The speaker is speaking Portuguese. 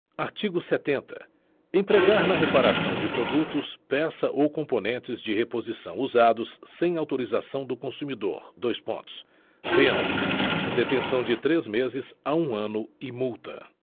artigo setenta empregar na reparação de produtos peça ou componentes de reposição usados sem autorização do consumidor dois pontos pena detenção de três meses a um ano e multa